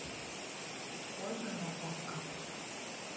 ольга на окко